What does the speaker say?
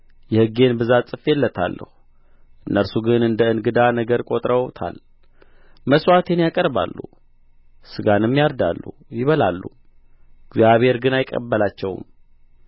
የሕጌን ብዛት ጽፌለታለሁ እነርሱ ግን እንደ እንግዳ ነገር ቈጥረውታል መሥዋዕቴን ያቀርባሉ ሥጋንም ያርዳሉ ይበላሉም እግዚአብሔር ግን አይቀበላቸውም